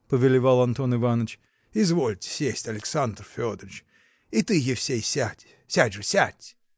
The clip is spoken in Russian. – повелевал Антон Иваныч, – извольте сесть, Александр Федорыч! и ты, Евсей, сядь. Сядь же, сядь!